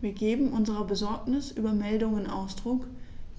Wir geben unserer Besorgnis über Meldungen Ausdruck,